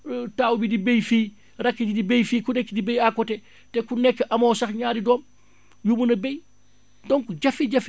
taaw bi di bay fii rakk ji di bay fii ku nekk di bay à côté te ku nekk amoo sax ñaari doom yu mën a bay donc jafe-jafe